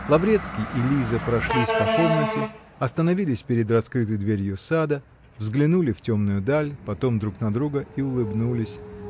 Лаврецкий и Лиза прошлись по комнате, остановились перед раскрытой дверью сада, взглянули в темную даль, потом друг на друга -- и улыбнулись